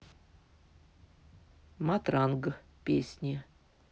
матранг песни